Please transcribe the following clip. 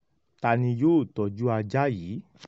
Tani yóò tọ́jú ajá yìí?